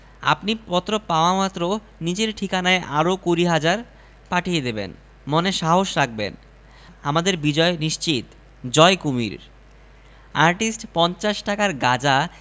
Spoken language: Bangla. খুঁড়ে পুকুরের মৃত করা হল সাইনবোর্ডে লেখা হল সাবধান সাবধান সাবধান জলে কুমীর আছে গোসল কাপড় কাচা নিষিদ্ধ